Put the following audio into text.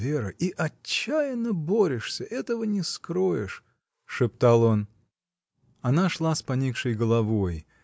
Вера, и отчаянно борешься: этого не скроешь. — шептал он. Она шла с поникшей головой.